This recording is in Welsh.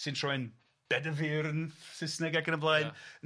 Sy'n troi'n Bedfyrn Sysneg ac yn y blaen. Ia.